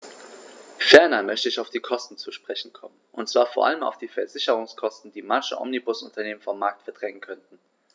Ferner möchte ich auf die Kosten zu sprechen kommen, und zwar vor allem auf die Versicherungskosten, die manche Omnibusunternehmen vom Markt verdrängen könnten.